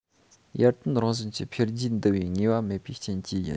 ཡར ཐོན རང བཞིན གྱི འཕེལ རྒྱས འདུ བའི ངེས པ མེད པའི རྐྱེན གྱིས ཡིན